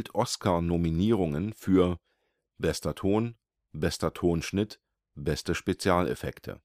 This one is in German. Oscar Nominierungen: Bester Ton Bester Tonschnitt Beste Spezialeffekte